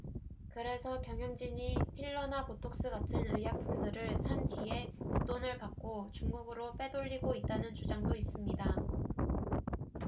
그래서 경영진이 필러나 보톡스 같은 의약품들을 산 뒤에 웃돈을 받고 중국으로 빼돌리고 있다는 주장도 있습니다